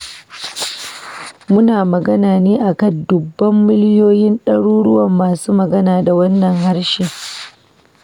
Muna magana ne akan dubban miliyoyin ɗaruruwan masu magana da wannan harshe.